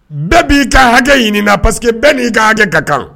Bɛɛ b'i ka hakɛ ɲini na paseke bɛɛ n'i ka hakɛ ka kan